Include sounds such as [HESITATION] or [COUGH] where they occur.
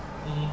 [HESITATION] [HESITATION]